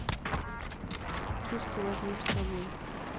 киску возьмем с собой